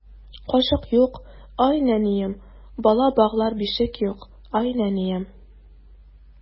Кашык юк, ай нәнием, Бала баглар бишек юк, ай нәнием.